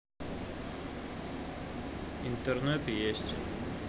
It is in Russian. интернет есть